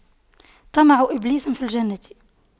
طمع إبليس في الجنة